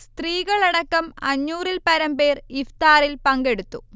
സ്ത്രീകളടക്കം അഞ്ഞൂറിൽ പരം പേർ ഇഫ്താറിൽ പങ്കെടുത്തു